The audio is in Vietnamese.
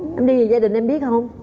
em đi dậy gia đình em biết hông